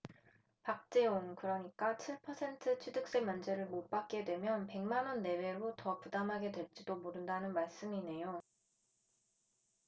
박재홍 그러니까 칠 퍼센트 취득세 면제를 못 받게 되면 백 만원 내외로 더 부담하게 될지도 모른다는 말씀이네요